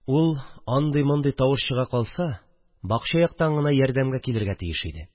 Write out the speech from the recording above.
Ул, андый-мондый тавыш чыга калса, бакча яктан гына ярдәмгә килергә тиеш иде